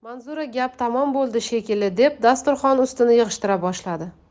manzura gap tamom bo'ldi shekilli deb dasturxon ustini yig'ishtira boshladi